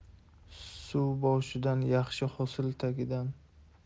suv boshidan yaxshi hosil tagidan